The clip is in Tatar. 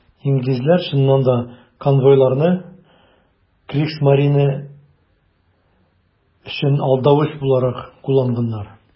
Инглизләр, чыннан да, конвойларны Кригсмарине өчен алдавыч буларак кулланганнар.